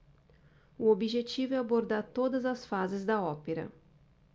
o objetivo é abordar todas as fases da ópera